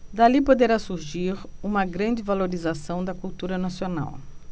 dali poderá surgir uma grande valorização da cultura nacional